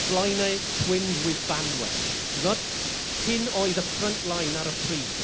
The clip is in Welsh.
Blaenau twinned with Banwen, timod. Hyn oedd y front line ar y pryd.